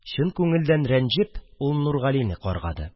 Чын күңелдән рәнҗеп, ул Нургалине каргады